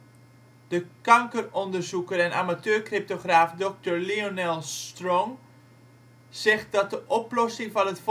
kankeronderzoeker en amateurcryptograaf Dr. Leonell Strong zegt dat de oplossing van het